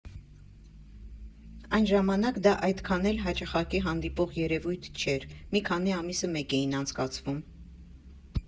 Այն ժամանակ դա այդքան էլ հաճախակի հանդիպող երևույթ չէր, մի քանի ամիսը մեկ էին անցկացվում։